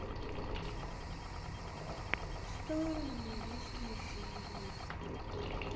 старые индийские фильмы